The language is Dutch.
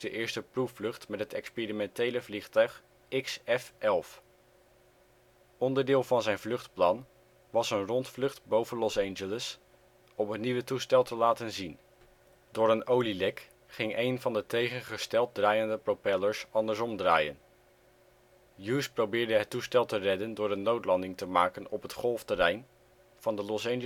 eerste proefvlucht met het experimentele vliegtuig XF-11. Onderdeel van zijn vluchtplan was een rondvlucht boven Los Angeles om het nieuwe toestel te laten zien. Door een olielek ging een van de tegengesteld draaiende propellers andersom draaien. Hughes probeerde het toestel te redden door een noodlanding te maken op het golfterrein van de Los